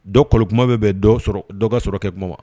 Dɔ kɔli kuma bɛ bɛ dɔɔ sɔrɔ dɔ ka sɔrɔ kɛ kuma ma